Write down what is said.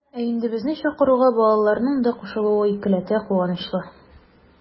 Ә инде безнең чакыруга балаларның да кушылуы икеләтә куанычлы.